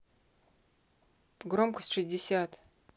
громкость шестьдесят